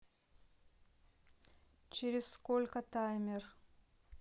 через сколько таймер